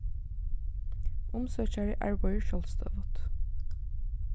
umsøkjari arbeiðir sjálvstøðugt